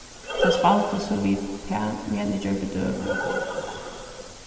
tær spældu so við tað meðan eg gjørdi døgurða